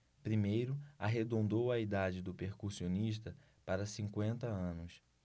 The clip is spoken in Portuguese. primeiro arredondou a idade do percussionista para cinquenta anos